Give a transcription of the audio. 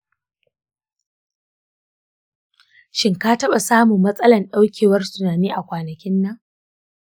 shin ka taɓa samun matsalar daukewar tunani a kwanakin nan?